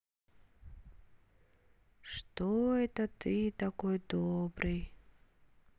что это ты такой добрый